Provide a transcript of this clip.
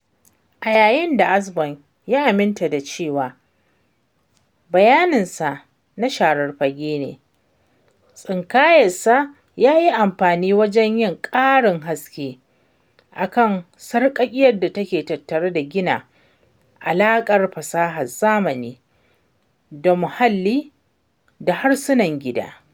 A yayin da Osborn ya aminta da cewa, bayaninsa na share fage ne, tsinkayensa ya yi amfani wajen yin ƙarin haske a kan sarƙaƙiyar da take tattare da gina alaƙar fasahar zamani da muhalli a harsunan gida.